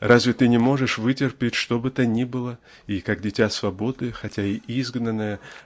Разве ты не можешь вытерпеть что бы то ни было и как Дитя свободы хотя и изгнанное